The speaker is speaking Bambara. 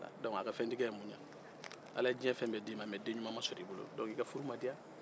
donke a ka fɛntigiya ye mun ɲɛn ala ye diɲɛn fɛn bɛɛ d'i ma mɛ denɲuma ma sɔr'i bolo donke i ka furu ma diya